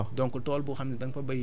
su boobaa gerte gi moom dina ko mun a